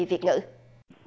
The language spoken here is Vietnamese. việt ngữ